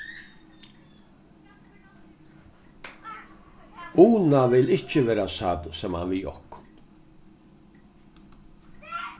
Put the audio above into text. una vil ikki verða sædd saman við okkum